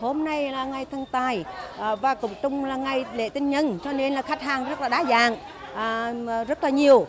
hôm nay là ngày thần tài và cùng chung là ngày lễ tình nhân cho nên là khách hàng rất là đa dạng à rất là nhiều